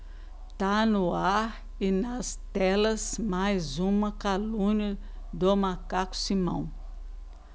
tá no ar e nas telas mais uma calúnia do macaco simão